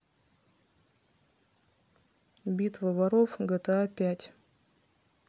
битва воров гта пять